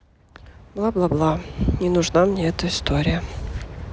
бла бла бла не нужна мне эта история